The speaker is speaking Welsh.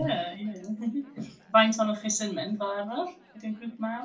Ie, ie. Faint ohonoch chi sy'n mynd fel arall? Ydy e'n grŵp mawr?